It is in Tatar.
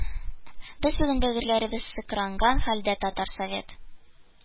Без бүген, бәгырьләребез сыкранган хәлдә, татар совет